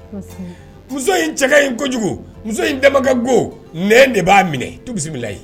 Muso in cɛ in kojugu muso in damaba go nɛ de b'a minɛ bisimila